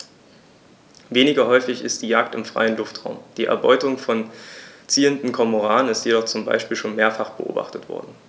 Weniger häufig ist die Jagd im freien Luftraum; die Erbeutung von ziehenden Kormoranen ist jedoch zum Beispiel schon mehrfach beobachtet worden.